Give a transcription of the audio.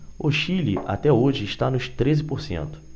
o chile até hoje está nos treze por cento